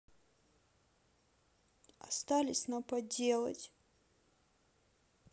остались на поделать